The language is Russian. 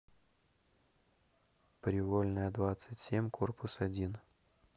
привольная двадцать семь корпус один